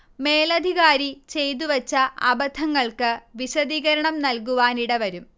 മേലധികാരി ചെയ്തു വെച്ച അബദ്ധങ്ങൾക്ക് വിശദീകരണം നൽകുവാനിടവരും